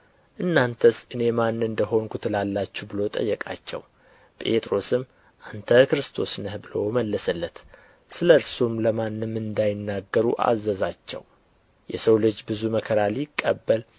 እናንተስ እኔ ማን እንደ ሆንሁ ትላላችሁ ብሎ ጠየቃቸው ጴጥሮስም አንተ ክርስቶስ ነህ ብሎ መለሰለት ስለ እርሱም ለማንም እንዳይናገሩ አዘዛቸው የሰው ልጅ ብዙ መከራ ሊቀበል